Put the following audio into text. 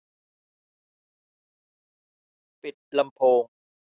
ปิดลำโพง